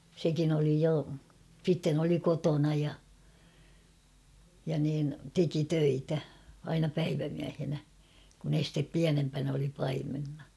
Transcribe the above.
sekin oli jo sitten oli kotona ja ja niin teki töitä aina päivämiehenä kun ensin pienempänä oli paimenena